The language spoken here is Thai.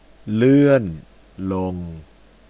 เลื่อนลง